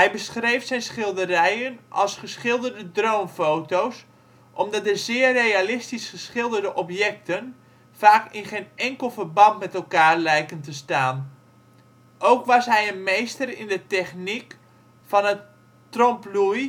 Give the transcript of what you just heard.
beschreef zijn schilderijen als geschilderde droomfoto 's, omdat de zeer realistisch geschilderde objecten vaak in geen enkel verband met elkaar lijken te staan. Ook was hij een meester in de techniek van het trompe-l'oeil